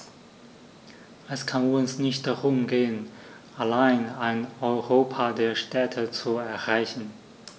Es kann uns nicht darum gehen, allein ein Europa der Städte zu errichten.